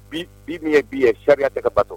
Bi bi min bi ye sariyaya tɛ batɔ